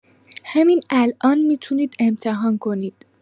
همین الان می‌تونید امتحان کنید.